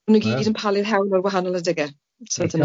Maen n'w gyd yn palu'r hewl ar wahanol adege, so dyna ni.